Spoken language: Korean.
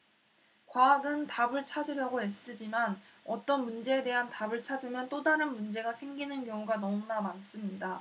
과학은 답을 찾으려고 애쓰지만 어떤 문제에 대한 답을 찾으면 또 다른 문제가 생기는 경우가 너무나 많습니다